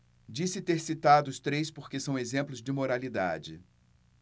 disse ter citado os três porque são exemplos de moralidade